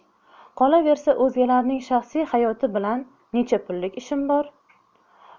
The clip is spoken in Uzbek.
qolaversa o'zgalarning shaxsiy hayoti bilan necha pullik ishim bor